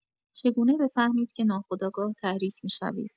چگونه بفهمید که ناخودآگاه تحریک می‌شوید؟